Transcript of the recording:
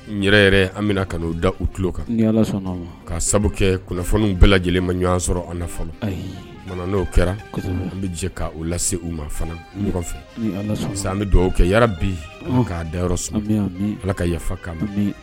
N yɛrɛ yɛrɛ an bɛna ka'u da u tulolo kan ka sababu kɛ kunnafoniw bɛɛ lajɛlen ma ɲɔgɔn sɔrɔ an fɔlɔ ma n'o kɛra an bɛ jɛ ka u lase u ma fana ɲɔgɔn fɛ sisan an bɛ dugawu kɛ yɛrɛ bi k'a dayɔrɔ su ala ka yafa ka